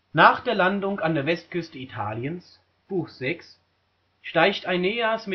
Nach der Landung an der Westküste Italiens (Buch 6) steigt Aeneas